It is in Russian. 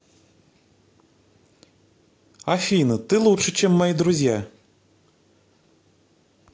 афина ты лучше чем мои друзья